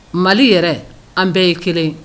Mali yɛrɛ an bɛɛ ye kelen